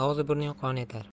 og'zi burning qon etar